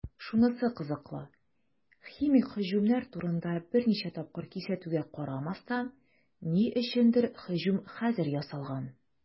Шунысы кызыклы, химик һөҗүмнәр турында берничә тапкыр кисәтүгә карамастан, ни өчендер һөҗүм хәзер ясалган.